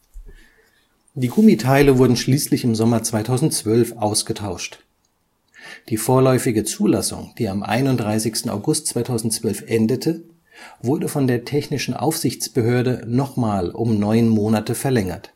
Die Gummiteile wurden schließlich im Sommer 2012 ausgetauscht. Die vorläufige Zulassung, die am 31. August 2012 endete, wurde von der Technischen Aufsichtsbehörde nochmal um neun Monate verlängert